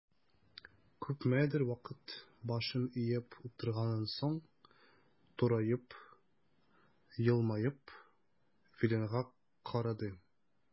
Күпмедер вакыт башын иеп утырганнан соң, тураеп, елмаеп Виленга карады.